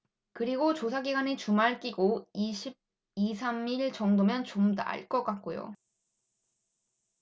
그리고 조사 기간이 주말 끼고 이 삼 일 정도면 좀 나은 것 같고요